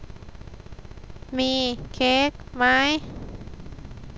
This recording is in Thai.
มีเค้กไหม